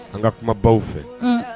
An ka kuma baw fɛ